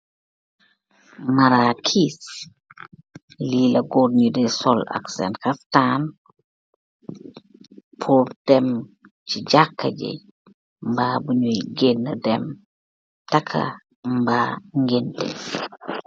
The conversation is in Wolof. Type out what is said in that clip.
Maraakis, lila gorr nyi di sol ak sen khaftaan, pur dem chi jaka ji, mba bunyui gena dem taka, mba ngenteh.